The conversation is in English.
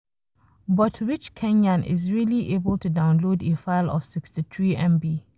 But which Kenyan is really able to download a file of 63 MB?